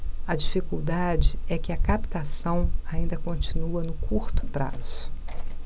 a dificuldade é que a captação ainda continua no curto prazo